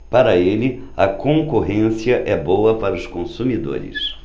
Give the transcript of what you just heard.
para ele a concorrência é boa para os consumidores